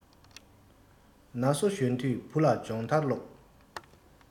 ན སོ གཞོན དུས བུ ལ སྦྱོང ཐར སློབས